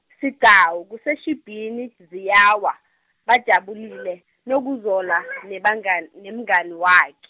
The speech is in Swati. Sigcawu, Kuseshibhini, ziyawa, bajabulile, boNokuzola, nebangan-, nemngani wakhe.